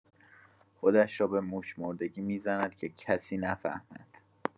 خودش را به موش‌مردگی می‌زند که کسی نفهمد.